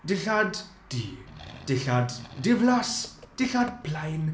Dillad, du. Dillad, diflas. Dillad, plaen.